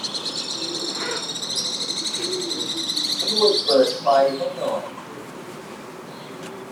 ช่วยเปิดไฟให้หน่อย